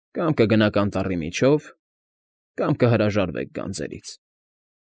Կամ կգնաք անտառի միջով, կամ կհրաժարվեք գանձերից։